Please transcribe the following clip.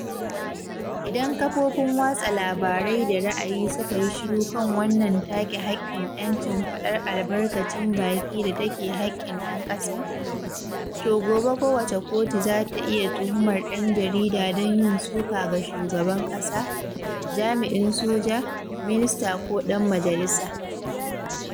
Idan kafofin watsa labarai da ra’ayi suka yi shiru kan wannan take hakkin ‘yancin faɗar albarkacin baki da take hakkin ɗan ƙasa, to gobe kowace kotu za ta iya tuhumar ɗan jarida don yin suka ga shugaban kasa, jami’in soja, minista ko ɗan majalisa.